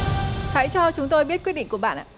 hãy cho chúng tôi biết quyết định của bạn